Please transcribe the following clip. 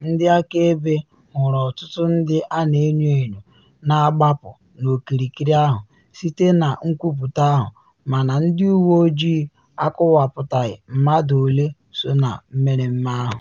Ndị akaebe hụrụ ọtụtụ ndị a na enyo enyo na agbapụ n’okirikiri ahụ, site na nkwupute ahụ, mana ndị uwe ojii akọwapụtaghị mmadụ ole so na mmereme ahụ.